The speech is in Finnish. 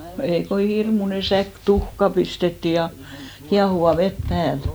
no ei kun hirmuinen säkki tuhkaa pistettiin ja kiehuvaa vettä päälle